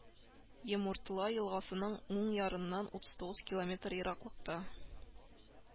Емуртла елгасының уң ярыннан утыз тугыз километр ераклыкта